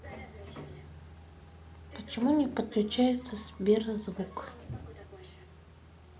почему не подключается сбер звук